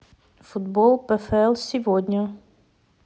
футбол пфл сегодня